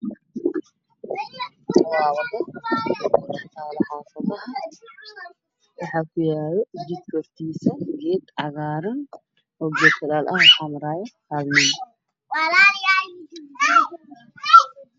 Waa waddo waxaa ka dambeeya guri la dhisaayo oo dedansan ayaa ka dambeeya y nin ayaa maraayo loo wiil ayaa taagan